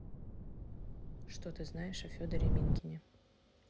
что ты знаешь о федоре минкине